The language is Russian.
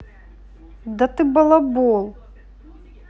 да ты балабол